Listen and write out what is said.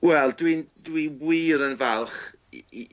Wel dwi'n dwi wir yn falch i i